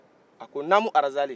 a ko nanmu arazali